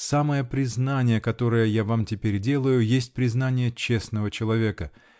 Самое признание, которое я вам теперь делаю, есть признание честного человека.